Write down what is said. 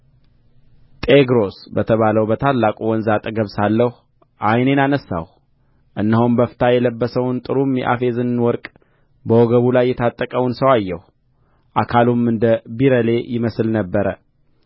ጤግሮስ በተባለው በታላቁ ወንዝ አጠገብ ሳለሁ ዓይኔን አነሣሁ እነሆም በፍታ የለበሰውን ጥሩም የአፌዝን ወርቅ በወገቡ ላይ የታጠቀውን ሰው አየሁ አካሉም እንደ ቢረሌ ይመስል ነበር